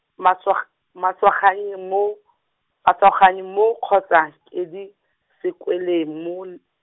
Maswag-, Maswanganyi mo, Maswanganyi mo kgotsa Kedi, Sekwele mo l-.